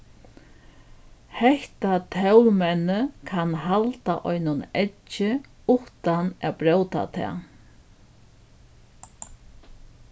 hetta tólmennið kann halda einum eggi uttan at bróta tað